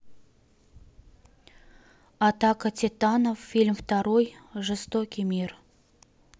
атака титанов фильм второй жестокий мир